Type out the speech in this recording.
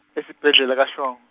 esibhedlela kaShong-.